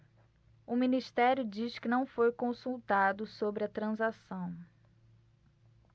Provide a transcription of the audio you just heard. o ministério diz que não foi consultado sobre a transação